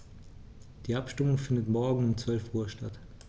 Die Abstimmung findet morgen um 12.00 Uhr statt.